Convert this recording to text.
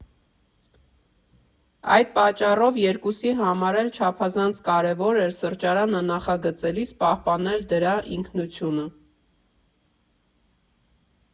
Այդ պատճառով երկուսի համար էլ չափազանց կարևոր էր սրճարանը նախագծելիս պահպանել դրա ինքնությունը։